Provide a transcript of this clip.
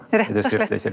rett og slett.